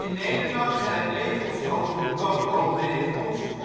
Nederland zijn regels over de koopovereenkomst